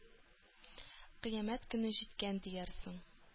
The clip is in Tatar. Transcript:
Кыямәт көне җиткән диярсең.